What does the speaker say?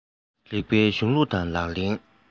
རིགས པའི གཞུང ལུགས དང ལག ལེན